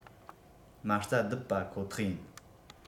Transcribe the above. མ རྩ བརྡིབས པ ཁོ ཐག ཡིན